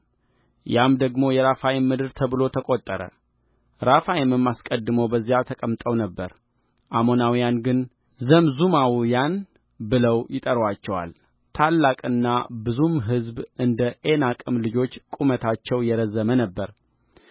ያም ደግሞ የራፋይም ምድር ተብሎ ተቆጠረ ራፋይምም አስቀድሞ በዚያ ተቀምጠው ነበር አሞናውያን ግን ዘምዙማውያን ብለው ይጠሩአቸዋልታላቅና ብዙም ሕዝብ እንደ ዔናቅም ልጆች ቁመታቸው የረዘመ ነበሩ